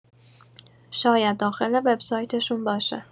شاید داخل وبسایتشون باشه.